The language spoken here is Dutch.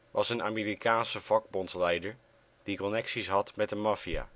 was een Amerikaanse vakbondsleider die connecties had met de maffia